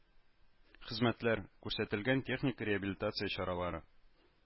Хезмәтләр, күрсәтелгән техник реабилитация чаралары